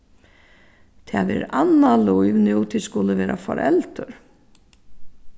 tað verður annað lív nú tit skulu vera foreldur